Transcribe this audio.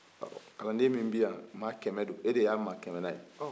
kalanden min bɛ yan maa kɛmɛ de don e de ye maa kɛmɛnan ye